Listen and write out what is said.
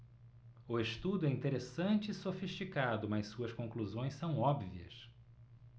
o estudo é interessante e sofisticado mas suas conclusões são óbvias